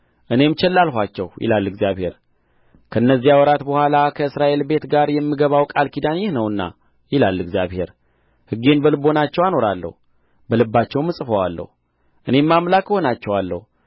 እኔም ቸል አልኋቸው ይላል እግዚአብሔር ከእነዚያ ወራት በኋላ ከእስራኤል ቤት ጋር የምገባው ቃል ኪዳን ይህ ነውና ይላል እግዚአብሔር ሕጌን በልቡናቸው አኖራለሁ በልባቸውም እጽፈዋለሁ እኔም አምላክ እሆናቸዋለሁ